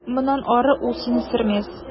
Моннан ары ул сине сөрмәс.